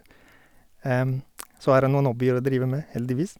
Så har jeg noen hobbyer å drive med, heldigvis.